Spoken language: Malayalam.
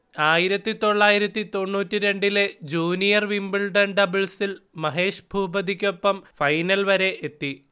ആയിരത്തിത്തൊള്ളായിരത്തി തൊണ്ണൂറ്റിരണ്ടിലെ ജൂനിയർ വിംബിൾഡൺ ഡബ്ൾസിൽ മഹേഷ് ഭൂപതിക്കൊപ്പം ഫൈനൽ വരെയെത്തി